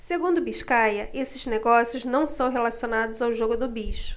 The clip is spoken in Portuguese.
segundo biscaia esses negócios não são relacionados ao jogo do bicho